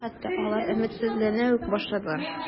Хәтта алар өметсезләнә үк башладылар.